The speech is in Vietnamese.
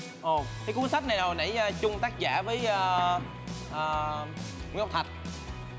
ồ cái cuốn sách này hồi nãy a chung tác giả với a à nguyễn ngọc thạch